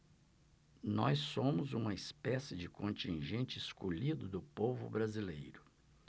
nós somos uma espécie de contingente escolhido do povo brasileiro